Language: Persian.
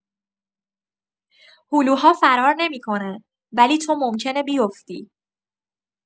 هلوها فرار نمی‌کنن، ولی تو ممکنه بیفتی.